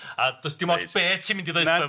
A does dim ots be ti'n mynd i ddeutha fi...